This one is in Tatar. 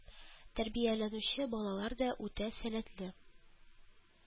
Тәрбияләнүче балалар да үтә сәләтле